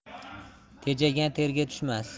tejagan terga tushmas